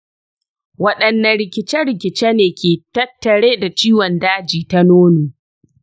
wadanne rikice-rikice ne ke tattare da ciwon daji ta nono?